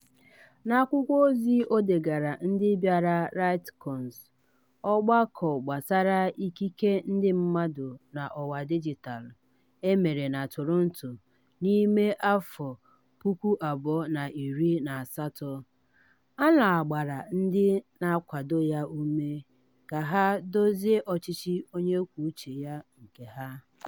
N'akwụkwọ ozi o degaara ndị bịara RightsCon, ọgbakọ gbasara ikike ndị mmadụ n'ọwa dijitalụ e mere na Toronto na Mee 2018, Alaa gbara ndị na-akwado ya ume ka ha "dozie ọchịchị onye kwuo uche ya [nke ha]".